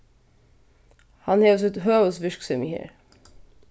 hann hevur sítt høvuðsvirksemi her